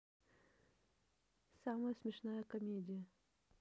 самая смешная комедия